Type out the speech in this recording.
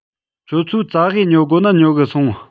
ཁྱོད ཆོས ཙ གེ ཉོ དགོ ན ཉོ གི སོང